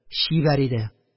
Чибәр иде